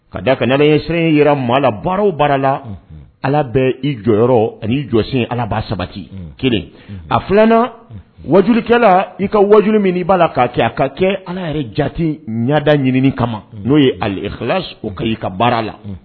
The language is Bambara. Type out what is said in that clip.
Ka d da a ka na ye sariya jira maa la baara baara la ala bɛ i jɔyɔrɔyɔrɔ ani jɔsen ala ba sabati kelen a filanan wajurukɛla la i ka wajuuru min i b'a k kaa kɛ a ka kɛ ala yɛrɛ jate ɲada ɲini kama n'o ye ale ka' i ka baara la